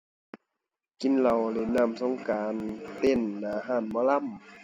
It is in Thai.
กินเหล้า เล่นน้ำสงกรานต์ เต้นหน้าร้านหมอลำ